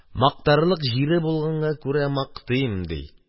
Мактарлык җире булганга күрә мактыйм, – ди.